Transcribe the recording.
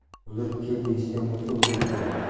o'ldirib kel deyishgan bo'lsa o'ldirib keladi